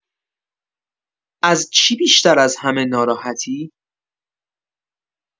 از چی بیشتر از همه ناراحتی؟